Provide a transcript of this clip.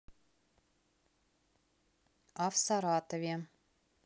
а в саратове